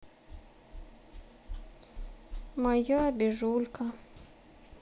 моя обижулька